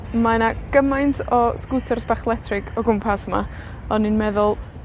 Mae 'na gymaint o sgwters bach letrig o gwmpas 'ma, o'n i'n meddwl